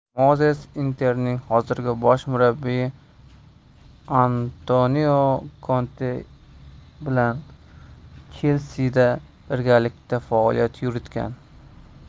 mozes inter ning hozirgi bosh murabbiyi antonio konte bilan chelsi da birgalikda faoliyat yuritgan